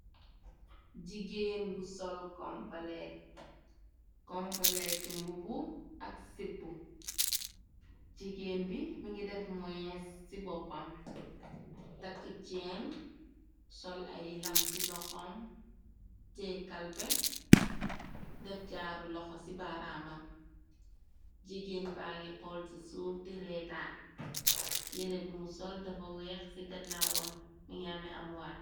Jigéen bu sol kompalati mbubu ak sipp jigeen bi mi ngi def moe ci boppam takki ceen sol ay lam ci loxom jee kalpe def jaaru loxa ci baraamam jigeen ba ngi xool ci suuf di reetaan yere bi mu sol dafa weex ci gannaawam miñame am waar.